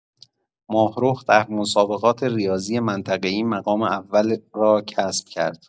ماهرخ در مسابقات ریاضی منطقه‌ای مقام اول را کسب کرد.